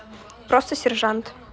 просто сержант